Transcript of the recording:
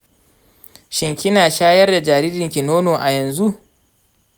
shin kina shayar da jaririnki nono a yanzu?